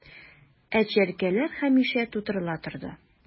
Ә чәркәләр һәмишә тутырыла торды...